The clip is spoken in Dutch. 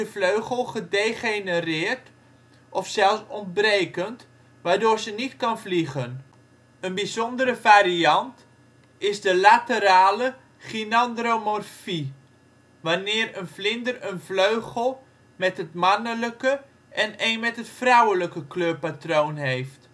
vleugel gedegenereerd of zelfs ontbrekend, waardoor ze niet kan vliegen. Een bijzondere variant is de laterale gynandromorfie, wanneer een vlinder een vleugel met het mannelijke en een met het vrouwelijke kleurpatroon heeft